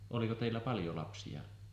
oliko teillä paljon lapsia